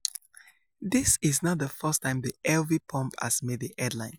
This is not the first time the Elvie pump has made the headlines.